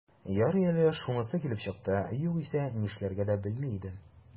Ярый әле шунысы килеп чыкты, югыйсә, нишләргә дә белми идем...